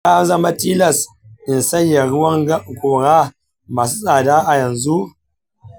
shin ya zama tilas in saye ruwan gora masu tsada yanzu?